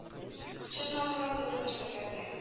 Сез назлап үбегез гөлләрне,